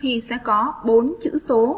khi ta có bốn chữ số